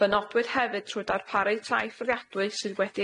Fe nodwyd hefyd trwy darparu taith fwriadwy sydd wedi